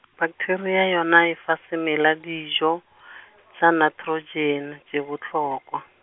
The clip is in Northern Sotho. pakteria yona e fa semela dijo , tša naetrotšene tše bohlokwa.